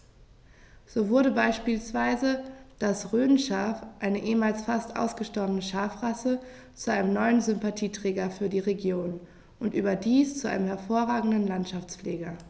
So wurde beispielsweise das Rhönschaf, eine ehemals fast ausgestorbene Schafrasse, zu einem neuen Sympathieträger für die Region – und überdies zu einem hervorragenden Landschaftspfleger.